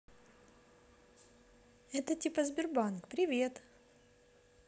это типа сбербанк привет